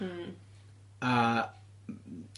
Hmm. A m- m-